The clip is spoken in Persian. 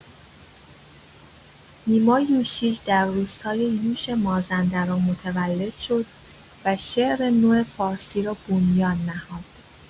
نیما یوشیج در روستای یوش مازندران متولد شد و شعر نو فارسی را بنیان نهاد.